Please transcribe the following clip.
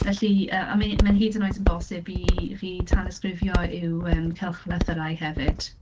Felly, yy, a mi- mae hyd yn oed yn bosib i chi tanysgrifio i'w, yym, cylchlythyrau hefyd.